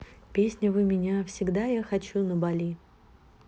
песня вы меня всегда я хочу на бали